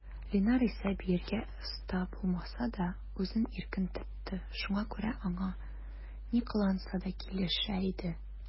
Линар исә, биергә оста булмаса да, үзен иркен тотты, шуңа күрә аңа ни кыланса да килешә иде.